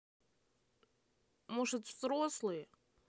может взрослые